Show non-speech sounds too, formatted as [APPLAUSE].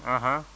[HESITATION] [HESITATION]